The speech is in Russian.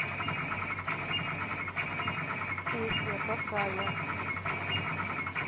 песня какая